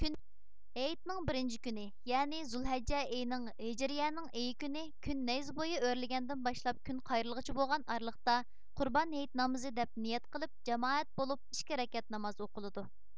ھېيتنىڭ بىرىنچى كۈنى يەنى زۇلھەججە ئېنىڭ ھىجرىيىنىڭ ئېيى كۈنى كۈن نەيزە بۇيى ئۆرلىگەندىن باشلاپ كۈن قايرىلغىچە بولغان ئارىلىقتا قۇربان ھېيت نامىزى دەپ نىيەت قىلىپ جامائەت بولۇپ ئىككى رەكەت ناماز ئوقۇلىدۇ